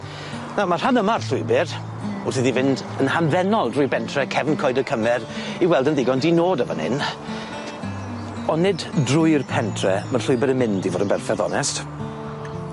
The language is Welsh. Wel ma' rhan yma o'r llwybyr, wrth iddi fynd yn hamddenol drwy bentre Cefn Coed y Cymer i'w weld yn ddigon di-nod y' fyn 'yn. on' nid drwy'r pentre my'r llwybyr yn mynd i fod yn berffeth onest.